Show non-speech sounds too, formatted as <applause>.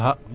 <hesitation> <hesitation>